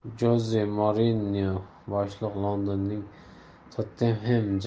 joze mourinyo boshliq londonning tottenhem